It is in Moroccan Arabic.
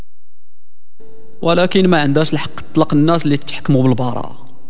ولكن ما عندنا حق الناس لا تحكم بالبراءه